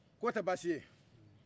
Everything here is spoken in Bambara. k'o tɛ baasi ye